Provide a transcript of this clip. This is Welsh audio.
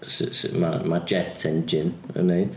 Sy- sut mae mae jet engine yn wneud.